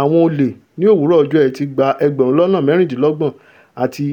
Àwọn olè ní òwúrọ̀ ọjọ́ Ẹti gba ẹgbẹ́rùn lọ́nà mẹ́rìndínlọ́gbọ̀n àti